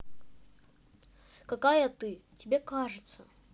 какая ты тебе кажется